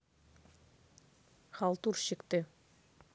халтурщик ты